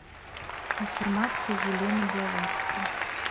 аффирмации елены блаватской